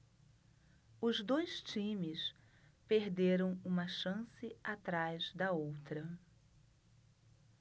os dois times perderam uma chance atrás da outra